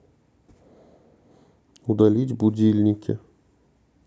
удалить будильники